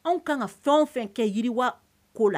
Anw kan ka fɛnw fɛn kɛ yiriwa ko la